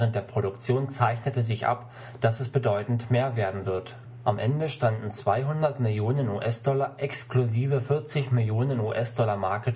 der Produktion zeichnete sich ab, dass es bedeutend mehr werden wird. Am Ende standen 200 Millionen US-Dollar exklusive 40 Millionen US-Dollar